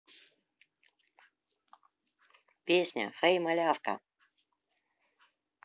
песня хэй малявка